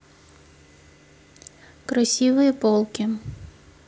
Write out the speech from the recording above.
красивые попки